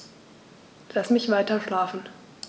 Lass mich weiterschlafen.